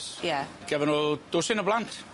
Ie. Gafo nw dwsin o blant.